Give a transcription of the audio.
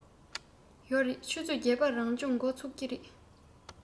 ཡོད རེད ཆུ ཚོད བརྒྱད པར རང སྦྱོང འགོ ཚུགས ཀྱི རེད